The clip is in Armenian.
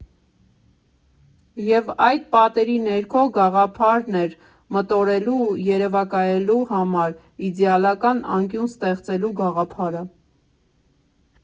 Եվ այդ պատերի ներքո գաղափարն էր՝ մտորելու ու երևակայելու համար իդեալական անկյուն ստեղծելու գաղափարը։